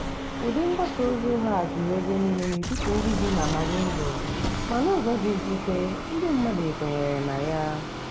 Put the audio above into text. Ụdị mgbasa ozi ụgha a juru ebe niile n'etiti ndị bị na Mandingo ma n'ụzọ dị mwute, ndị mmadụ kwenyere na ya.